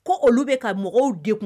Ko olu bɛ ka mɔgɔw de kun